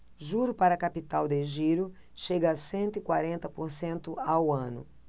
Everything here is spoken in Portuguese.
juro para capital de giro chega a cento e quarenta por cento ao ano